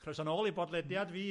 Croeso nôl i bodlediad fi...